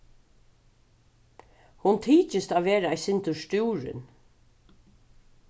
hon tykist at vera eitt sindur stúrin